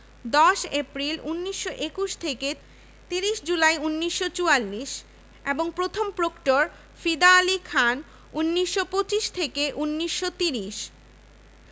১০ April ১৯২১ থেকে ৩০ July ১৯৪৪ এবং প্রথম প্রক্টর ফিদা আলী খান ১৯২৫ ১৯৩০ ১০ এপ্রিল ১৯২১ থেকে ৩০ জুন ১৯৪৪ এবং প্রথম প্রক্টর ফিদা আলী খান ১৯২৫ ১৯৩০